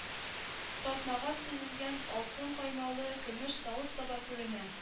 Тартмага тезелгән алтын каймалы көмеш савыт-саба күренә